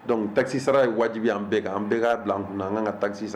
Dɔnku taki sara ye wajibi an bɛɛ an bɛɛ ka' bila an kun an kan ka taki sara